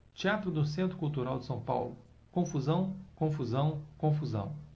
teatro no centro cultural são paulo confusão confusão confusão